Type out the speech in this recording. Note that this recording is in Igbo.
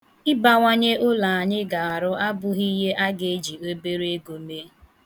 Ịbawanye ụlọ anyị ga-arụ abụghị ihe a ga-eji obere ego mee.